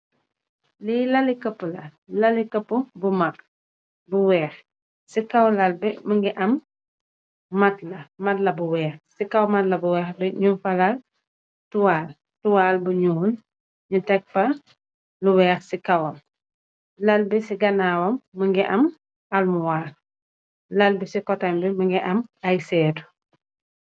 li lali këpp la ,lali këpp bu mag bu weex ci kaw lal bi më ngi am mat la mat la bu weex ci kaw-matla bu weex bi ñu falal tuwaal tuwaal bu ñuu ñu teg fa lu weex ci kawam lal bi ci ganaawam më ngi am almuwaar lal bi ci kotam bi mi ngi am ay seetu